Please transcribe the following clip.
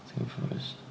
Nottingham Forrest.